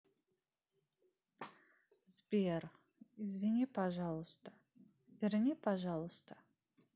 сбер извини пожалуйста верни пожалуйста